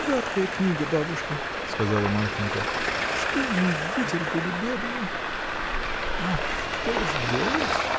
— Гадкая книга, бабушка, — сказала Марфинька, — что они вытерпели, бедные!. — А что ж делать?